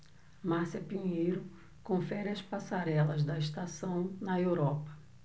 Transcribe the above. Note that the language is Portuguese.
márcia pinheiro confere as passarelas da estação na europa